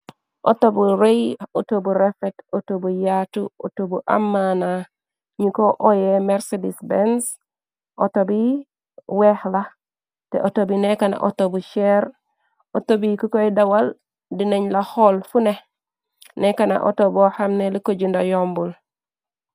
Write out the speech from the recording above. Autobu rey autobu refet auto bu yaatu autobu ammaana ñu ko oye mercedec benz autobi weex lax te autobi nekkana autobu cheer autobi ki koy dawal dinañ la xool fune nekkana auto bo xamne li këjunda yombul.